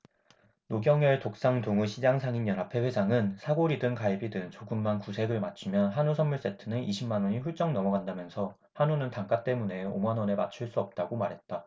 노경열 독산동우시장상인연합회 회장은 사골이든 갈비든 조금만 구색을 맞추면 한우 선물세트는 이십 만 원이 훌쩍 넘어간다면서 한우는 단가 때문에 오 만 원에 맞출 수가 없다고 말했다